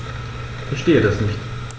Verstehe das nicht.